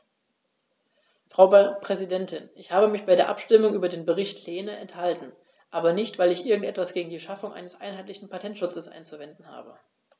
Frau Präsidentin, ich habe mich bei der Abstimmung über den Bericht Lehne enthalten, aber nicht, weil ich irgend etwas gegen die Schaffung eines einheitlichen Patentschutzes einzuwenden habe.